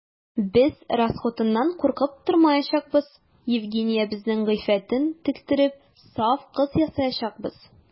Без расхутыннан куркып тормаячакбыз: Евгениябезнең гыйффәтен тектереп, саф кыз ясаячакбыз.